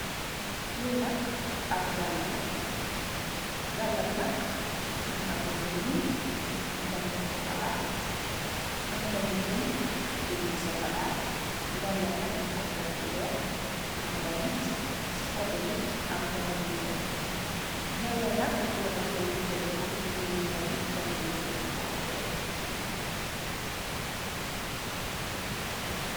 Li nak ap dalla la, dalla bi nak mugii ameh lu ñuul am tamit lu sokola am tamit buum, buum yu sokola. Dalla yi nak ñing ko tèk fu wèèx ci kóteh bi am tamit lu ñuul. Dalla yi nak gór daf koy jafandiko jigeen tamid daf koy jafandiko batay.